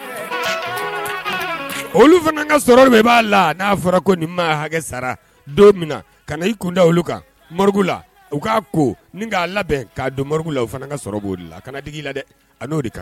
Olu fana ka b'a la n fɔra ko nin hakɛ sara don min ka i kun da olu kan mori la u k' ko k labɛn k don mori la u fana ka b' la kana digi la dɛ a de